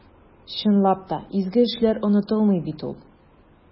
Чынлап та, изге эшләр онытылмый бит ул.